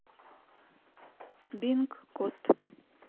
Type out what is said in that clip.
бинг кот